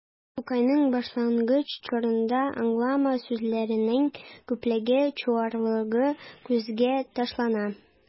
Тукайның башлангыч чорында алынма сүзләрнең күплеге, чуарлыгы күзгә ташлана.